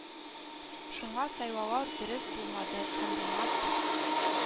Шуңа сайлаулар дөрес булмады һәм булмас та